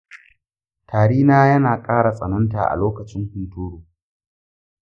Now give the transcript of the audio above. tari na yana ƙara tsananta a lokacin hunturu.